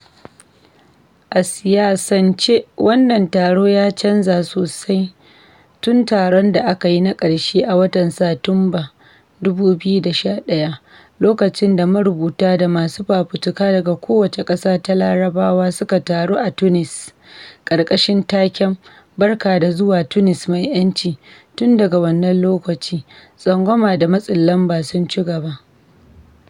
A siyasan ce wannan taron ya canza sosai tun taron da aka yi na karshe a watan Satumban 2011. Lokacin da marubuta da masu fafutuka daga kowace ƙasa ta Larabawa suka taru a Tunis, ƙarƙashin taken: "Barka da zuwa Tunis Mai 'Yanci." Tun daga wannan lokaci, tsangwama da matsin lamba sun ci gaba.